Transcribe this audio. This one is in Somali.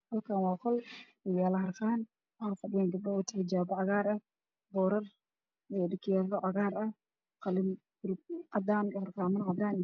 Halkaan waa qol waxaa yaalo harqaan, joogo gabdho wato xijaab cagaar ah, boorar, ookiyaalo cagaar ah, qalin cadaan ah, harqaan cadaan ah.